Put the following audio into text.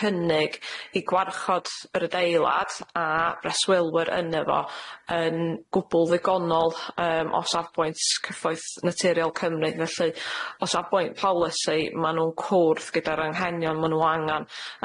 cynnig i gwarchod yr adeilad a breswelwyr yno fo yn gwbwl ddigonol yym o safbwynt cyfoeth naturiol Cymru felly o safbwynt polisi ma' nw'n cwrdd gyda'r anghenion ma' n'w angan